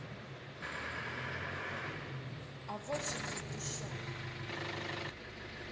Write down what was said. а вовсе запрещен